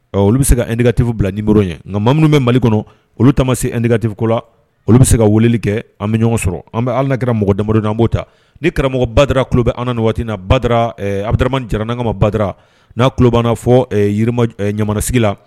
Ɔ olu bɛ se ka edkatisufu bila nib ye nka ma minnu bɛ mali kɔnɔ olu taama se edkatiko la olu bɛ se ka weleli kɛ an bɛ ɲɔgɔn sɔrɔ an bɛ ala kɛrara mɔgɔ dama' an b'o ta ni karamɔgɔ badara ku bɛ an ni waatiina badara a jara n' kamama badara n'a kubana fɔ yirima ɲamanasigi la